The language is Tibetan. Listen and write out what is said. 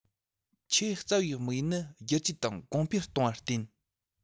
ཆེས རྩ བའི དམིགས ཡུལ ནི བསྒྱུར བཅོས དང གོང འཕེལ གཏོང བར བརྟེན